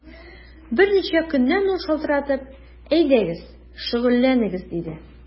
Берничә көннән ул шалтыратып: “Әйдәгез, шөгыльләнегез”, диде.